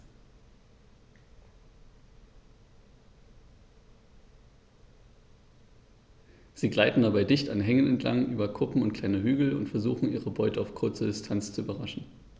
Sie gleiten dabei dicht an Hängen entlang, über Kuppen und kleine Hügel und versuchen ihre Beute auf kurze Distanz zu überraschen.